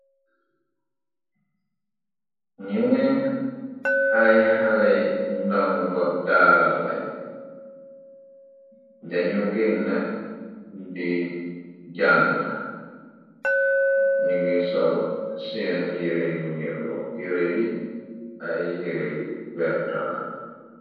Ñee ay xaley ndonga daalalañ, dañu genna di jànga, ñingi sol seen yere yu niroo, yere yi ay yere yu weertalañ.